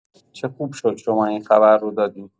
چه خوب شد شما این خبر رو دادین